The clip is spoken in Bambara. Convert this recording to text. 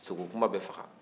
sogo kumaa bɛ faga